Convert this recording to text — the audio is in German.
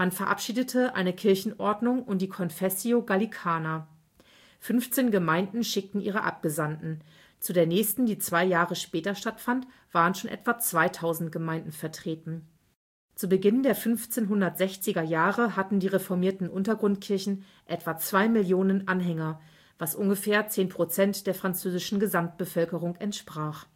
verabschiedete eine Kirchenordnung und die Confessio Gallicana. 15 Gemeinden schickten ihre Abgesandten; zu der nächsten, die zwei Jahre später stattfand, waren schon etwa 2.000 Gemeinden vertreten. Zu Beginn der 1560er Jahre hatten die reformierten Untergrundkirchen etwa zwei Millionen Anhänger, was ungefähr zehn Prozent der französischen Gesamtbevölkerung entsprach